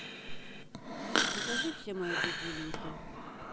покажи все мои будильники